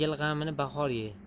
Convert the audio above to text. yil g'amini bahor ye